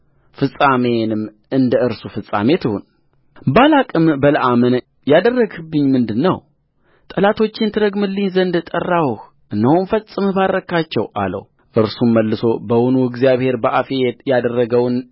ፍጻሜዬም እንደ እርሱ ፍጻሜ ትሁንባላቅም በለዓምን ያደረግህብኝ ምንድር ነው ጠላቶቼን ትረግምልኝ ዘንድ ጠራሁህ እነሆም ፈጽመህ ባረክሃቸው አለውእርሱም መልሶ በውኑ እግዚአብሔር በአፌ ያደረገውን